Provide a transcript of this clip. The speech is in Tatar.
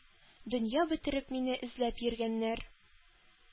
Дөнья бетереп мине эзләп йөргәннәр.